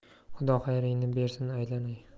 xudo xayringni bersin aylanay